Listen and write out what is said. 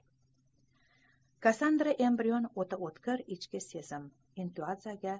kassandra embrion o'ta o'tkir ichki sezim intuitsiyaga